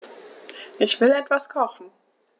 Ich will etwas kochen.